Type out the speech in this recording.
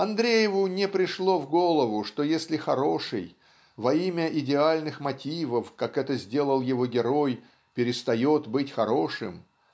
Андрееву не пришло в голову что если хороший во имя идеальных мотивов как это сделал его герой перестает быть хорошим